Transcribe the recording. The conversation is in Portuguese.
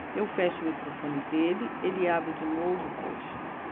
eu fecho o microfone dele ele abre de novo poxa